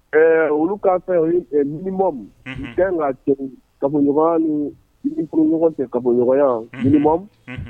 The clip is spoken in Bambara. Olu'a fɛma fɛn ka kaɲɔgɔn nikuruɲɔgɔn cɛ kaɲɔgɔnmamu